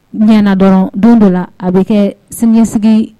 Ɲɛna dɔrɔn don dɔ la a bɛ kɛɛ siniɲɛsigii